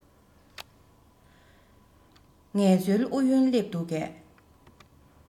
ངལ རྩོལ ཨུ ཡོན སླེབས འདུག གས